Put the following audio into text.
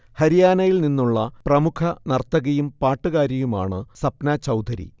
ഹരിയാനയിൽ നിന്നുള്ള പ്രമുഖ നർത്തകിയും പാട്ടുകാരിയുമാണ് സപ്ന ചൗധരി